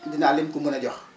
dinaa leen ko mën a jox